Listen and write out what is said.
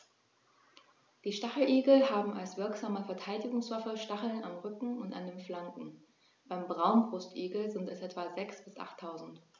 Die Stacheligel haben als wirksame Verteidigungswaffe Stacheln am Rücken und an den Flanken (beim Braunbrustigel sind es etwa sechs- bis achttausend).